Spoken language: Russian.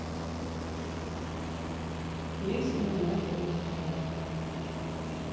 песня на тнт